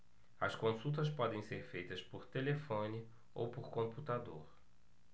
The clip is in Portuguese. as consultas podem ser feitas por telefone ou por computador